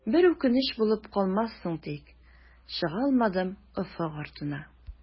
Бер үкенеч булып калмассың тик, чыгалмадым офык артына.